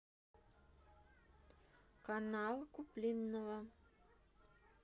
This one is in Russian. канал куплинова